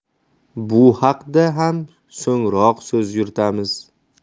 bu haqda ham so'ngroq so'z yuritamiz